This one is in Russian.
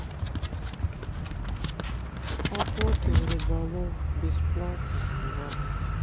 охота и рыболов бесплатно онлайн